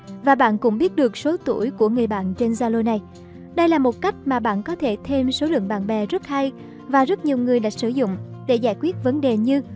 và bạn cũng biết được số tuổi của người bạn trên zalo này đây là cách mà bạn có thể thêm số lượng bạn bè rất hay và rất nhiều người đã sử dụng để giải quyết vấn đề như